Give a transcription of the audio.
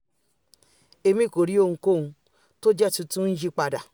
Emi kò rí ohunkóhun tójẹ́ tuntun ńyípadà.''